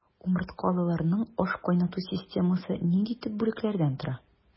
Умырткалыларның ашкайнату системасы нинди төп бүлекләрдән тора?